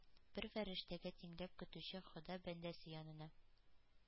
Бер фәрештәгә тиңләп көтүче хода бәндәсе янына.